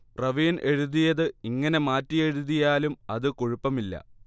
പ്രവീൺ എഴുതിയത് ഇങ്ങനെ മാറ്റി എഴുതിയാലും അത് കുഴപ്പമില്ല